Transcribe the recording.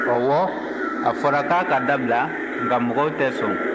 ɔwɔ a fɔra k'a ka dabila nka mɔgɔw tɛ sɔn